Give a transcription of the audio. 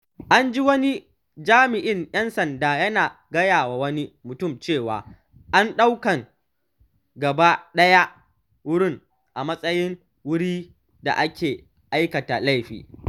An ji wani jami’in ‘yan sanda yana gaya wa wani mutum cewa ana ɗaukan gaba ɗaya wurin a matsayin wani wuri da aka aikata laifi.